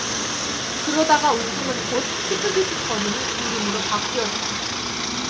그러다가 웃음은 곧 히끅히끅 거리는 울음으로 바뀌었다